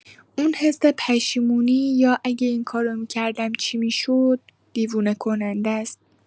اون حس پشیمونی یا "اگه این کارو می‌کردم چی می‌شد؟ " دیوونه‌کننده‌ست.